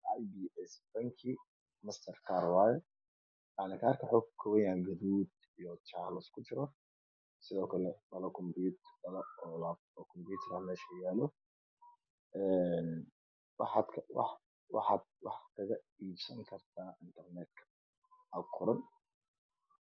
Aybii es bangi mastar kaar waaye kaarka wuxuu ka koobanyahay gaduud iyo jaalo isku jir sidoo kale dhalo kumbuyuutar ayaa meesha yaalo waxaa wax kaga iibsan kartaa interneed aa ku qoran.